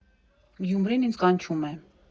Գյումրին ինձ կանչում է։